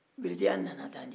bereteya nana tan de